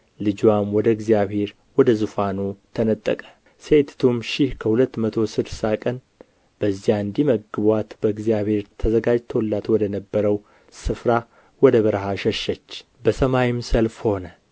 ልጅዋም ወደ እግዚአብሔርና ወደ ዙፋኑ ተነጠቀ ሴቲቱም ሺህ ከሁለት መቶ ስድሳ ቀን በዚያ እንዲመግቡአት በእግዚአብሔር ተዘጋጅቶላት ወደ ነበረው ስፍራ ወደ በረሀ ሸሸች በሰማይም ሰልፍ ሆነ